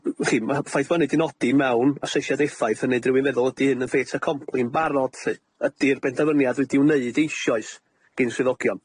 y'chi, ma' ffaith fo' hynny 'di nodi mewn asesiad effaith yn neud rywun feddwl ydi hyn yn fait accompli yn barod lly? Ydi'r benderfyniad wedi wneud eisoes gin swyddogion?